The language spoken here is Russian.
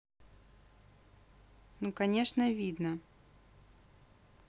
ну конечно видно